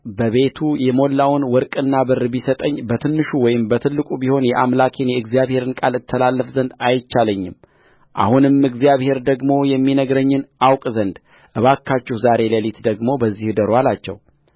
በቤቱ የሞላውን ወርቅና ብር ቢሰጠኝ በትንሹ ወይም በትልቁ ቢሆን የአምላኬን የእግዚአብሔርን ቃል እተላለፍ ዘንድ አይቻለኝምአሁንም እግዚአብሔር ደግሞ የሚነግረኝን አውቅ ዘንድ እባካችሁ ዛሬ ሌሊት ደግሞ በዚህ እደሩ አላቸው